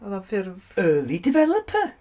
Oedd o'n ffurf... Early developer!